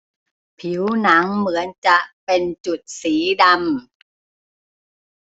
ผิวหนังเหมือนจะเป็นจุดสีดำ